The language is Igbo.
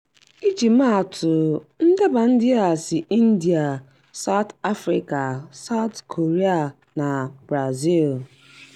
Iji maa atụ, ndeba ndị a si India, South Afrịka, South Korea na Brazil.